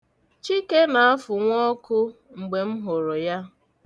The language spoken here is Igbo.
Chike na-afunwu ọkụ mgbe m hụrụ ya.